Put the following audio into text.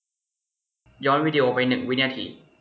ย้อนวีดีโอไปหนึ่งวินาที